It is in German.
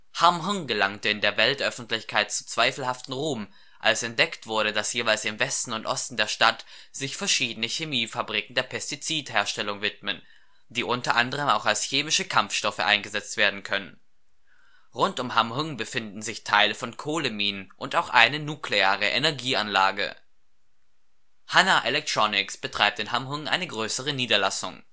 Hamhŭng gelangte in der Weltöffentlichkeit zu zweifelhaftem Ruhm, als entdeckt wurde, dass jeweils im Westen und Osten der Stadt sich verschiedene Chemiefabriken der Pestizidherstellung widmen, die unter anderem auch als chemische Kampfstoffe eingesetzt werden können. Rund um Hamhŭng befinden sich eine Reihe von Kohlenminen und auch eine nukleare Energieanlage. Hana Electronics betreibt in Hamhŭng eine größere Niederlassung